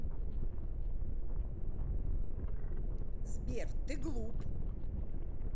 сбер ты глуп